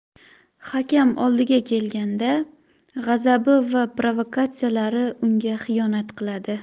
hakam oldiga kelganda g'azabi va provokatsiyalari unga xiyonat qiladi